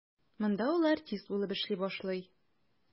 Монда ул артист булып эшли башлый.